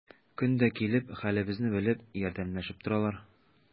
Көн дә килеп, хәлебезне белеп, ярдәмләшеп торалар.